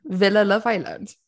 Villa Love Island.